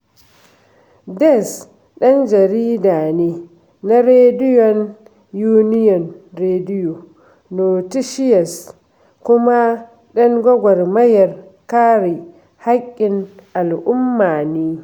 [Diaz] ɗan jarida ne na Rediyon Union Radio Noticias kuma ɗan gwagwarmayar kare haƙƙin al'umma ne.